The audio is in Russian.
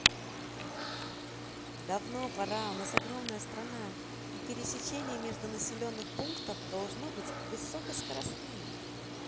давно пора у нас огромная страна и пересечение между населенных пунктов должно быть высокоскоростным